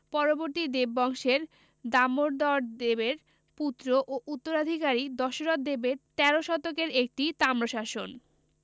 পরবর্তী দেব বংশের দামোদরদেবের পুত্র ও উত্তরাধিকারী দশরথ দেবের তেরো শতকের একটি তাম্রশাসন